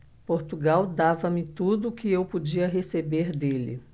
portugal dava-me tudo o que eu podia receber dele